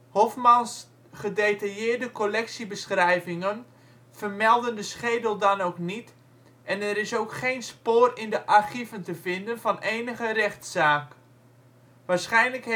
Hoffmanns gedetailleerde collectiebeschrijvingen vermelden de schedel dan ook niet en er is ook geen spoor in de archieven te vinden van enige rechtszaak. Waarschijnlijk